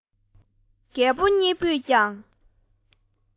རྒད པོ གཉིས པོས ཀྱང